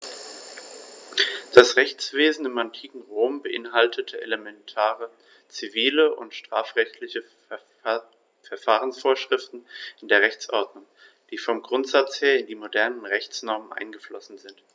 Das Rechtswesen im antiken Rom beinhaltete elementare zivil- und strafrechtliche Verfahrensvorschriften in der Rechtsordnung, die vom Grundsatz her in die modernen Rechtsnormen eingeflossen sind.